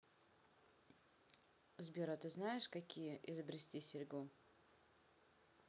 сбер а ты знаешь какие изобрести серьгу